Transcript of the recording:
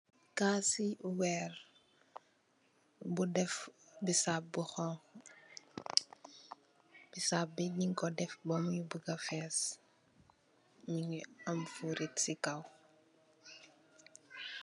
Caas weer bu deff bisaab bu honku. Bisaab bi nung ko deff bami buga fès mungi am furit ci kaw.